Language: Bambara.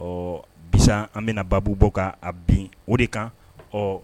Ɔ bi sa ,an bɛna baabu bɔ k'a bin o de kan .ɔɔ